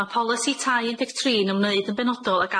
Ma' polisi tai un deg tri'n ymwneud yn benodol ag